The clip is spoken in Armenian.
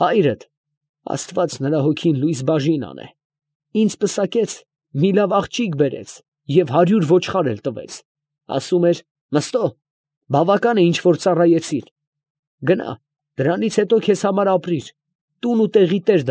Հայրդ (աստված նրա հոգին լույսի բաժին անե) ինձ պսակեց, մի լավ աղջիկ բերեց, և հարյուր ոչխար էլ տվեց, ասում էր. «Մըստո, բավական է ինչ որ ծառայեցիր, գնա՛ դրանից հետո քեզ համար ապրիր, տուն ու տեղի տեր։